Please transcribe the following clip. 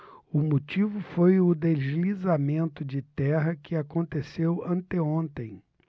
o motivo foi o deslizamento de terra que aconteceu anteontem